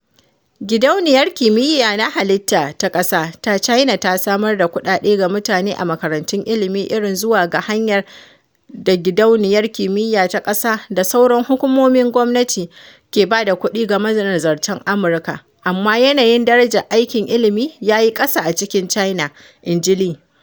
Gidauniyar Kimiyya na Halitta ta Ƙasa ta China ta samar da kuɗaɗe ga mutane a makarantun ilmi irin zuwa ga hanyar da Gidauniyar Kimiyyar ta Ƙasa da sauran hukumomin gwamnati ke ba da kuɗi ga manazartan Amurka, amma yanayin darajar aikin ilmi ya yi ƙasa a cikin China, inji Lee.